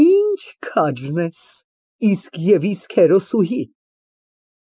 Ինչ քաջն ես, իսկ և իսկ հերոսուհի։